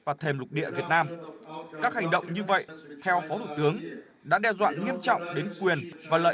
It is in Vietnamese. và thềm lục địa việt nam các hành động như vậy theo phó thủ tướng đã đe dọa nghiêm trọng đến quyền và lợi